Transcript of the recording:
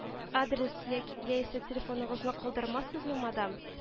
— адрес яисә телефоныгызны калдырмассызмы, мадам